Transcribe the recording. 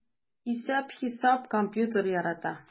Исәп-хисап, компьютер ярата...